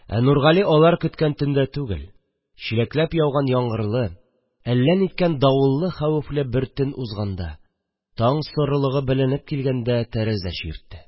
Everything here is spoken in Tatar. Ә Нургали алар көткән төндә түгел, чиләкләп яуган яңгырлы, әллә ниткән давыллы-хәвефле бер төн узганда, таң сорылыгы беленеп килгәндә тәрәзә чиртте